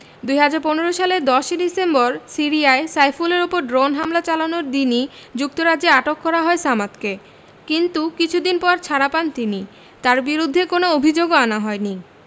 ২০১৫ সালের ১০ ডিসেম্বর সিরিয়ায় সাইফুলের ওপর ড্রোন হামলা চালানোর দিনই যুক্তরাজ্যে আটক করা হয় সামাদকে কিন্তু কিছুদিন পর ছাড়া পান তিনি তাঁর বিরুদ্ধে কোনো অভিযোগও আনা হয়নি